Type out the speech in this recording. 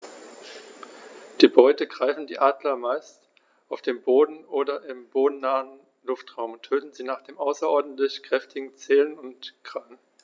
Die Beute greifen die Adler meist auf dem Boden oder im bodennahen Luftraum und töten sie mit den außerordentlich kräftigen Zehen und Krallen.